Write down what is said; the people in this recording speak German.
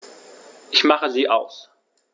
Ich mache sie aus.